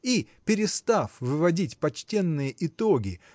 и перестав выводить почтенные итоги